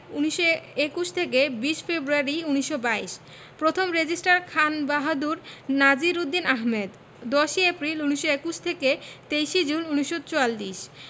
১৯২১ থেকে ২০ ফেব্রুয়ারি ১৯২২ প্রথম রেজিস্টার খানবাহাদুর নাজির উদ্দিন আহমেদ ১০ এপ্রিল ১৯২১ থেকে ৩০ জুন ১৯৪৪